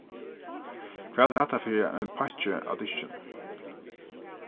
hvat er hatta fyri ein pakki á diskinum